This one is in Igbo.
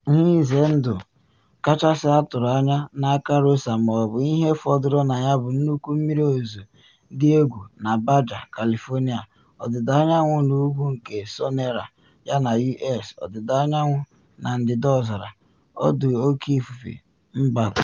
“Ihe ịze ndụ kachasị atụrụ anya n’aka Rosa ma ọ bụ ihe fọdụrụ na ya bụ nnukwu mmiri ozizo dị egwu na Baja California, ọdịda anyanwụ na ugwu nke Sonora, yana U.S. Ọdịda Anyanwụ na Ndịda Ọzara,” Ọdụ Oke Ifufe Mba kwuru.